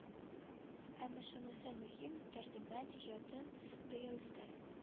Әмма шунысы мөһим дәрдемәнд иҗатын бәяләүдә